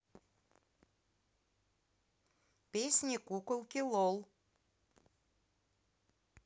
песни куколки лол